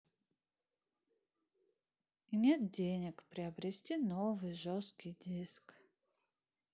и нет денег приобрести новый жесткий диск